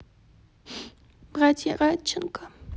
братья радченко